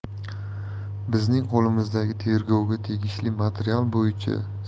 bizning qo'limizdagi tergovga tegishli material bo'yicha